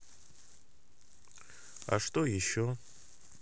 а что еще